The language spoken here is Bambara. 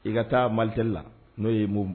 I ka taa Malitel la n'o ye Moov ye